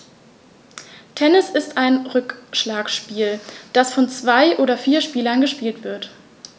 Tennis ist ein Rückschlagspiel, das von zwei oder vier Spielern gespielt wird.